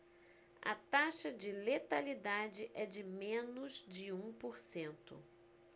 a taxa de letalidade é de menos de um por cento